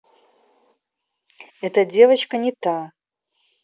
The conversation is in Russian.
эта девочка не та